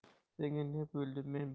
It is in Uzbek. senga ne bo'ldi men bir